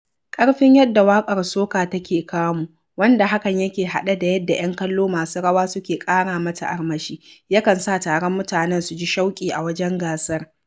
ƙarfin yadda waƙar soca take kamu, wanda hakan yake haɗe da yadda 'yan kallo masu rawa suke ƙara mata armashi, yakan sa taron mutanen su ji shauƙi a wajen gasar.